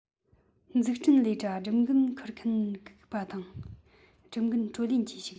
འཛུགས སྐྲུན ལས གྲྭ སྒྲུབ འགན འཁུར མཁན འགུགས པ དང སྒྲུབ འགན སྤྲོད ལེན གྱི བྱེད སྒོ